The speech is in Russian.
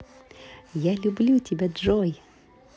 я люблю тебя джой